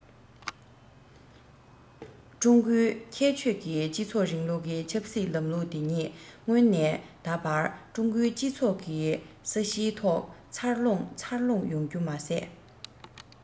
ཀྲུང གོའི ཁྱད ཆོས ཀྱི སྤྱི ཚོགས རིང ལུགས ཀྱི ཆབ སྲིད ལམ ལུགས དེ ཉིད སྔོན ནས ད བར ཀྲུང གོའི སྤྱི ཚོགས ཀྱི ས གཞིའི ཐོག འཚར ལོངས ཡོང རྒྱུ མ ཟད